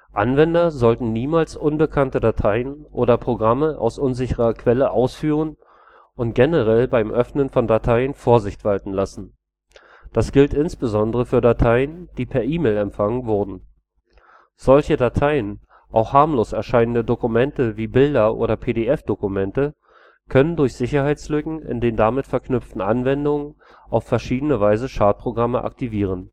Anwender sollten niemals unbekannte Dateien oder Programme aus unsicherer Quelle ausführen und generell beim Öffnen von Dateien Vorsicht walten lassen. Das gilt insbesondere für Dateien, die per E-Mail empfangen wurden. Solche Dateien – auch harmlos erscheinende Dokumente wie Bilder oder PDF-Dokumente – können durch Sicherheitslücken in den damit verknüpften Anwendungen auf verschiedene Weise Schadprogramme aktivieren